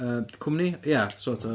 Yym cwmni? Ia, sort of.